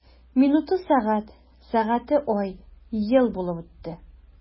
Минуты— сәгать, сәгате— ай, ел булып үтте.